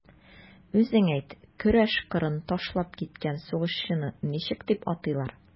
Үзең әйт, көрәш кырын ташлап киткән сугышчыны ничек дип атыйлар?